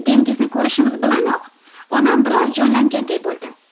dengizni ko'rishimiz bilanoq onam bir oz jonlanganday bo'ldi